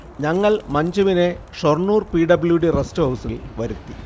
ഞങ്ങൾ മഞ്ജുവിനെ Shoranur P. W. D. റെസ്റ്റ്ഹൗസിൽ വരുത്തി